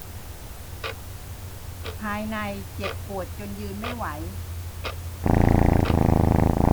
ภายในเจ็บปวดจนยืนไม่ไหว